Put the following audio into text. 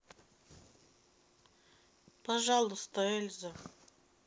пожалуйста эльза